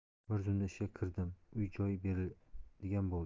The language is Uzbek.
bir zumda ishga kirdim uy joy beriladigan bo'ldi